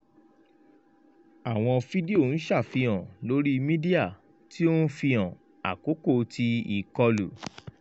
Àwọn fídíò ń ṣàfihàn lóri Mídíà tí ó ń fihàn àkókò ti ìkọlù.